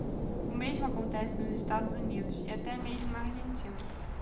o mesmo acontece nos estados unidos e até mesmo na argentina